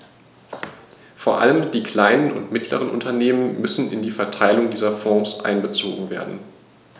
Vor allem die kleinen und mittleren Unternehmer müssen in die Verteilung dieser Fonds einbezogen werden.